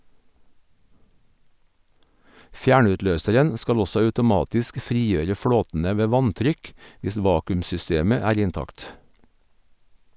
Fjernutløseren skal også automatisk frigjøre flåtene ved vanntrykk hvis vakuum-systemet er intakt.